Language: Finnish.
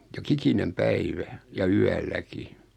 joka ikinen päivä ja yölläkin